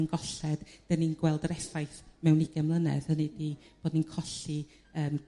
yn golled 'dyn ni'n gweld yr effaith mewn ugen mlynedd hynny 'di bod ni'n colli yrm